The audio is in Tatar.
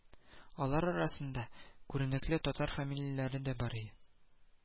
Алар арасында күренекле татар фамилияләре дә бар